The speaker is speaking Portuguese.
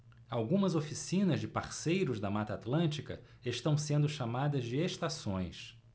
algumas oficinas de parceiros da mata atlântica estão sendo chamadas de estações